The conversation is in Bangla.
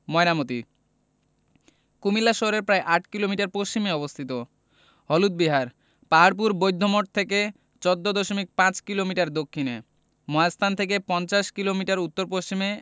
ময়নামতি কুমিল্লা শহরের প্রায় ৮ কিলোমিটার পশ্চিমে অবস্থিত হলুদ বিহার পাহাড়পুর বৌদ্ধমঠ থেকে ১৪দশমিক ৫ কিলোমিটার দক্ষিণে মহাস্থান থেকে পঞ্চাশ কিলোমিটার উত্তর পশ্চিমে